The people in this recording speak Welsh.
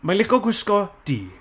mae'n lico gwisgo, du.